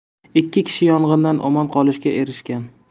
ikki kishi yong'indan omon qolishga erishgan